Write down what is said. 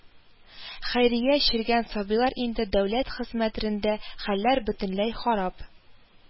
Хәйрия чергән сабыйлар инде дәүләт хезмәт- рендә хәлләр бөтенләй харап